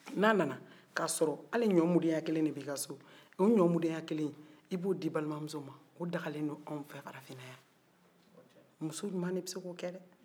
n'a nana k'a sɔrɔ hali ɲɔ murenɲɛkelen de bɛ i ka so o ɲɔ murenɲɛkelen in e b'o di i balimamuso ma o dagan ne don anw fɛ yan farafina yan muso ɲuma de bɛ se k'o kɛ dɛ